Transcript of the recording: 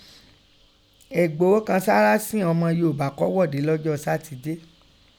Ègboho kan sáárá síghọn ọmọ Yoòbá kọ́ wọ́de lọ́jọ́ Sátidé